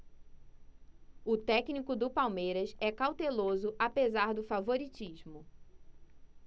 o técnico do palmeiras é cauteloso apesar do favoritismo